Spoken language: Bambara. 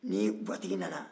ni gwatigi nana